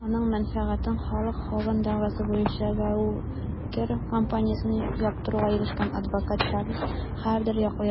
Аның мәнфәгатен Халк Хоган дәгъвасы буенча Gawker компаниясен яптыруга ирешкән адвокат Чарльз Хардер яклаячак.